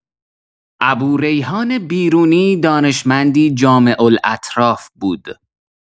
ابوریحان بیرونی دانشمندی جامع‌الاطراف بود.